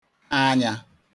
ka anyā